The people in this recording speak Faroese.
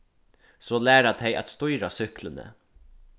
so læra tey at stýra súkkluni